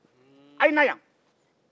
a' ye na yan